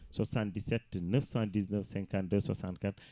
77 919 52 64